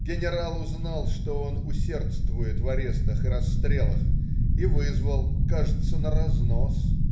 Генерал узнал, что он усердствует в арестах и расстрелах, и вызвал, кажется, на разнос".